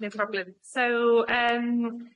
No problem, so um,